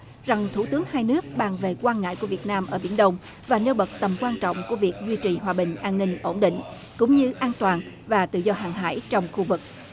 rằng thủ tướng hai nước bàn về quan ngại của việt nam ở biển đông và nêu bật tầm quan trọng của việc duy trì hòa bình an ninh ổn định cũng như an toàn và tự do hàng hải trong khu vực